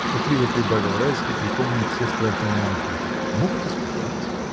— шутливо прибавил Райский, припомнив все страхи Марфиньки, — могут испугать.